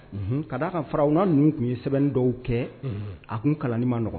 Unhun, ka d'a kan firawuna ninnu tun ye sɛbɛnni dɔw kɛ, un, a tun kalanni ma nɔgɔn